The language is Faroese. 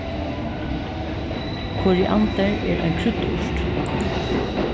koriander er ein kryddurt